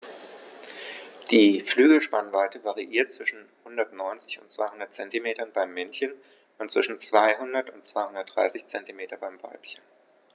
Die Flügelspannweite variiert zwischen 190 und 210 cm beim Männchen und zwischen 200 und 230 cm beim Weibchen.